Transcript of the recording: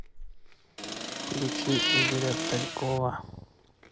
включи игоря талькова